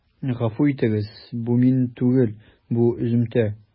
Гафу итегез, бу мин түгел, бу өземтә.